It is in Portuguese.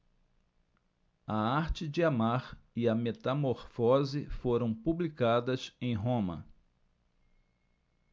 a arte de amar e a metamorfose foram publicadas em roma